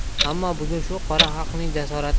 ammo bugun shu qora xalqning jasorati